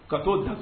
Ka to da